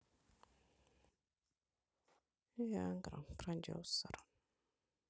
виа гра продюсер